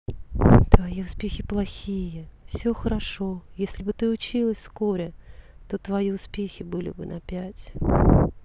твои успехи плохие все хорошо если бы ты училась вскоре это твои успехи были бы на пять